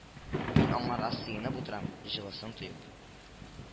Мин аңарга сыенып утырам, җылысын тоеп